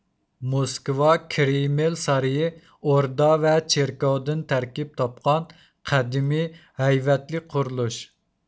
موسكۋا كرېمىل سارىيى ئوردا ۋە چېركاۋدىن تەركىب تاپقان قەدىمىي ھەيۋەتلىك قۇرۇلۇش